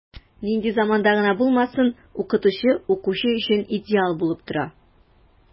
Нинди заманда гына булмасын, укытучы укучы өчен идеал булып тора.